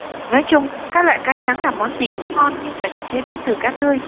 nói chung các loại cá trắng làm món gì cũng ngon nhưng phải được chế biến từ cá tươi